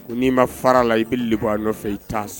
N'i ma fara la i bɛ le bɔ a nɔfɛ i taa